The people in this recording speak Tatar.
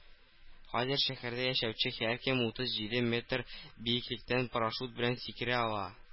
Хәзер шәһәрдә яшәүче һәркем утыз җиде метр биеклектән парашют белән сикерә ала